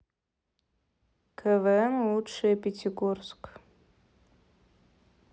квн лучшее пятигорск